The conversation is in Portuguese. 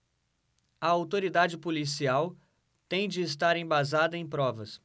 a autoridade policial tem de estar embasada em provas